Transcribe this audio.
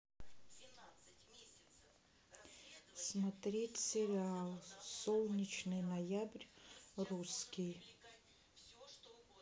смотреть сериал солнечный ноябрь русский